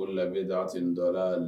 La i bɛti dɔ la